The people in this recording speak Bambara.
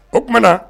O tuma na